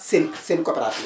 seen seen coopérative